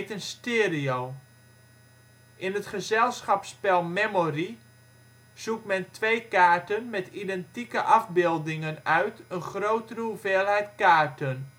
stereo. In het gezelschapsspel memory zoekt men twee kaarten met identieke afbeeldingen uit een grotere hoeveelheid kaarten